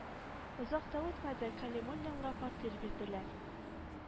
Озак та үтмәде кәлимуллинга фатир бирделәр